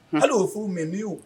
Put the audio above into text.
Hali au furu mun be yen ni yo